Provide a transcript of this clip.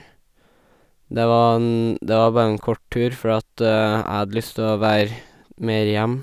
det var en Det var bare en kort tur fordi at jeg hadde lyst å være mer hjemme.